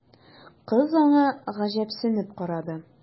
Кыз аңа гаҗәпсенеп карады.